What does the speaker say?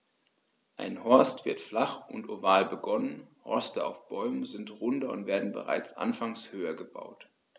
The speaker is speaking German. Ein Horst wird flach und oval begonnen, Horste auf Bäumen sind runder und werden bereits anfangs höher gebaut.